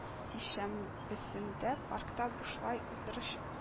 Сишәмбесендә паркта бушлай уздырыча